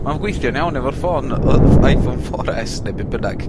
...ma' o'n gweithio'n iawn efo'r ffôn o- ff- Iphone four es ne be' bynnag...